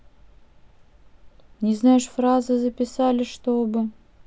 не знаешь фразы записали чтобы